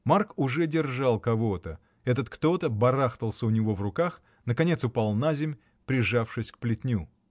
Марк уже держал кого-то: этот кто-то барахтался у него в руках, наконец упал наземь, прижавшись к плетню.